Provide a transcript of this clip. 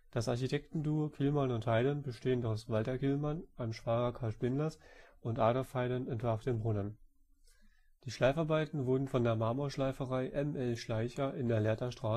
Das Architektenduo Kyllmann & Heyden bestehend aus Walter Kyllmann, einem Schwager Carl Spindlers, und Adolf Heyden entwarf den Brunnen. Die Schleifarbeiten wurden von der Marmorschleiferei M. L. Schleicher in der Lehrter Straße